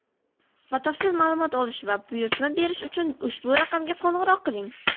batafsil ma'lumot olish va buyurtma berish uchun ushbu raqamga qo'ng'iroq qiling